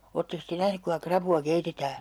olettekos te nähnyt kuinka rapua keitetään